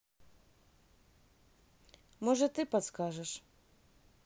может ты подскажешь